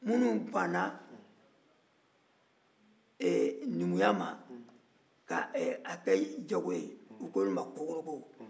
minnu banna numuya ma k'a kɛ jago ye u ko olu ma ko kokoroko